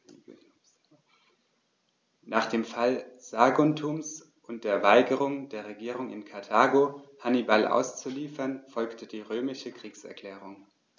Nach dem Fall Saguntums und der Weigerung der Regierung in Karthago, Hannibal auszuliefern, folgte die römische Kriegserklärung.